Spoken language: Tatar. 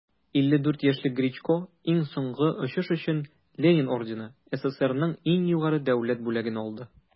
54 яшьлек гречко иң соңгы очыш өчен ленин ордены - сссрның иң югары дәүләт бүләген алды.